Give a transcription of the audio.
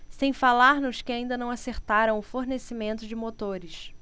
sem falar nos que ainda não acertaram o fornecimento de motores